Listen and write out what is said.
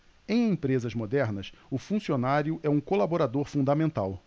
em empresas modernas o funcionário é um colaborador fundamental